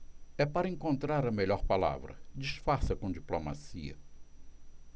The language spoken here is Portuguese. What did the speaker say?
é para encontrar a melhor palavra disfarça com diplomacia